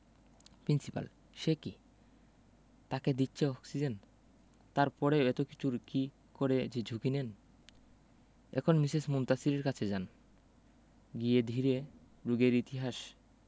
principal সে কি তাকে দিচ্ছে অক্সিজেন তারপরেও এত কিছুর কি করে যে ঝক্কি নেন এখন মিসেস মুনতাসীরের কাছে যান গিয়ে ধীরে রোগীর ইতিহাস